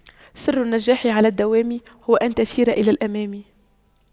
سر النجاح على الدوام هو أن تسير إلى الأمام